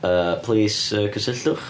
Yy plis, yy cysylltwch.